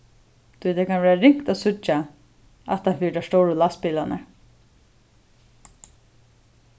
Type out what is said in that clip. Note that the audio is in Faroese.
tí tað kann vera ringt at síggja aftan fyri teir stóru lastbilarnar